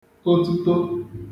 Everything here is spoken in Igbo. otuto